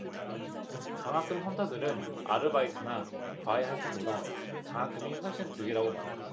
장학금 헌터들은 아르바이트나 과외 활동보다 장학금이 훨씬 득이라고 말한다